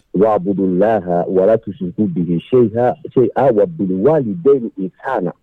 Wabu laha wakisiku seyi ha seyi wabu wa bɛ h na